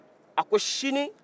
a ko sini